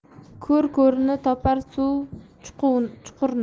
ko'r ko'rni topar suv chuqurni